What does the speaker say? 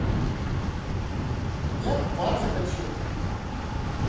я купаться хочу